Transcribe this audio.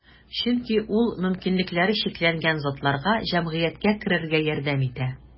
Чөнки ул мөмкинлекләре чикләнгән затларга җәмгыятькә керергә ярдәм итә.